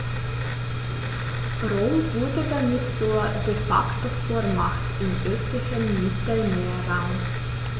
Rom wurde damit zur ‚De-Facto-Vormacht‘ im östlichen Mittelmeerraum.